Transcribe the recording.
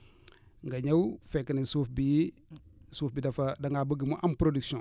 nga ñëw fekk ne suuf bi suuf bi dafa da ngaa bëgg mu am production